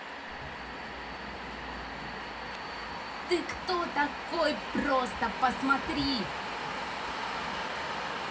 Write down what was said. ты кто такой просто посмотри